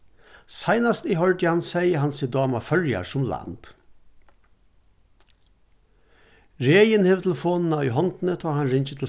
seinast eg hoyrdi hann segði hann seg dáma føroyar sum land regin hevur telefonina í hondini tá hann ringir til